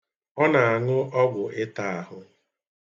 Ọ na-aṅụ ọgwụ iṭa ahụ.